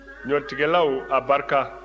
ɲɔtigɛlaw abarika